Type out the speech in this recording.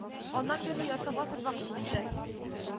Аннан бирле ярты гасыр вакыт үтте